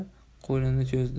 qo'lini cho'zdi